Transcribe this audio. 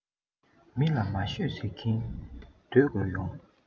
མི ལ མ ཤོད ཟེར གྱིན སྡོད དགོས ཡོང